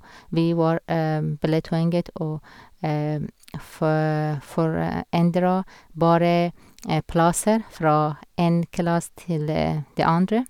Vi var ble tvunget å fo forandre bare plasser fra én klasse til det andre.